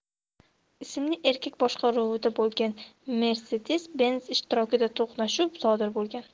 ismli erkak boshqaruvida bo'lgan mercedes benz ishtirokida to'qnashuv sodir bo'lgan